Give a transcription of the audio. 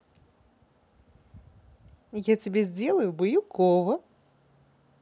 я тебе сделаю баюкова